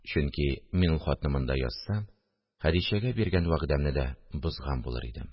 Чөнки мин ул хатны монда язсам, Хәдичәгә биргән вәгъдәмне дә бозган булыр идем